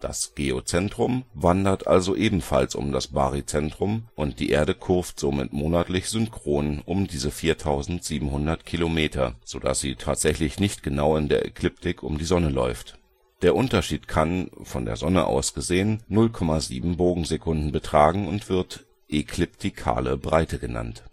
Das Geozentrum wandert also ebenfalls um das Baryzentrum, und die Erde kurvt somit monatlich synchron um diese 4.700 km, sodass sie tatsächlich nicht genau in der Ekliptik um die Sonne läuft. Der Unterschied kann – von der Sonne aus gesehen – 0,7 " betragen und wird ekliptikale Breite genannt